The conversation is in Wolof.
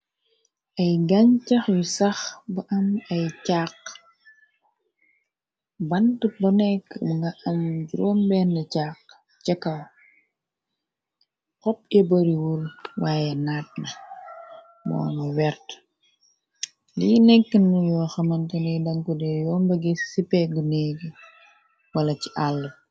Ay ganchax yu sax ba am ay càkq banta bu neka mongi am juroom bena cakq ca kaw xopp ye bariwul waaye naatna moonu wert li neka na yoo xamantane dankude yomba gi si peggu neegi wala ci aala.